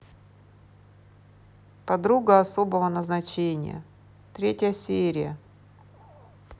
подруга особого назначения третья серия